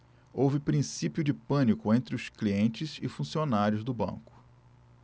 houve princípio de pânico entre os clientes e funcionários do banco